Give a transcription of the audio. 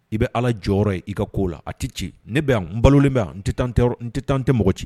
I bɛ ala jɔyɔrɔ ye i ka ko la a tɛ ci ne bɛ yan n balolen bɛ yan n tɛ n tɛ tan tɛ mɔgɔ ci